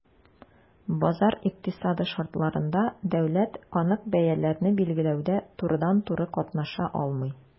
Базар икътисады шартларында дәүләт анык бәяләрне билгеләүдә турыдан-туры катнаша алмый.